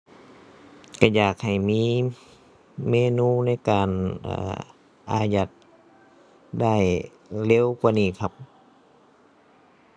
ก็อยากให้มีเมนูในการ เอ่อ อายัดได้เร็วกว่านี้ครับ